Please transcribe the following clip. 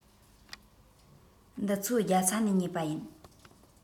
འདི ཚོ རྒྱ ཚ ནས ཉོས པ ཡིན